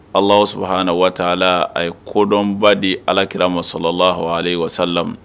Ala sɔrɔ ha waa a ye kodɔnba di alakira malala h wala